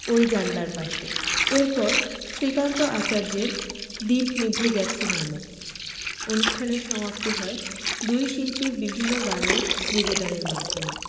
ওই জানালার পাশে এরপর শ্রীকান্ত আচার্যের দীপ নিভে গেছে মম অনুষ্ঠানের সমাপ্তি হয় দুই শিল্পীর বিভিন্ন গানের নিবেদনের মাধ্যমে